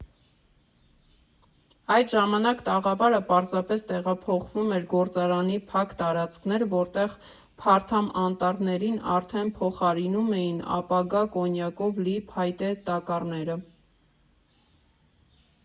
Այդ ժամանակ տաղավարը պարզապես տեղափոխվում էր գործարանի փակ տարածքներ, որտեղ փարթամ անտառներին արդեն փոխարինում էին ապագա կոնյակով լի փայտե տակառները։